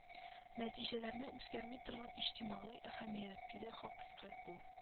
Нәтиҗәләрне үзгәрми торган иҗтимагый әһәмиятле хакыйкать бу